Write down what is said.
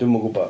Dwi'm yn gwybod